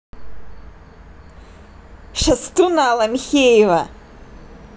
шастун алла михеева